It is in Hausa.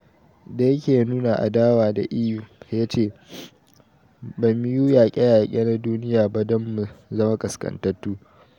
Da yake nuna adawa da EU, ya ce: 'Ba mu yi yaƙe-yaƙe na duniya ba don mu zama kaskantattu.